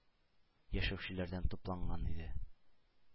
Яшәүчеләрдән тупланган иде.